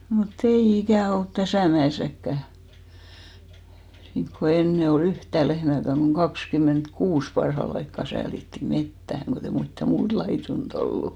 mutta ei ikänä ollut tässä mäessäkään niin kuin ennen oli yhtä lehmääkään kun kaksikymmentäkuusi parhaalla aikaa säälittiin metsään kun ei mitään muuta laidunta ollut